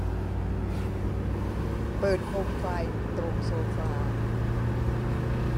เปิดโคมไฟตรงโซฟา